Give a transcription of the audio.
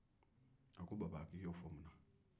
a ko i y'o fo mun na baba